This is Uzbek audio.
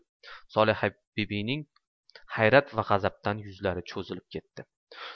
solihabibining hayrat va g'azabdan yuzlari cho'zilib ketdi